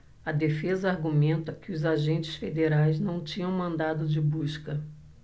a defesa argumenta que os agentes federais não tinham mandado de busca